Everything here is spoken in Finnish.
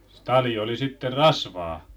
se tali oli sitten rasvaa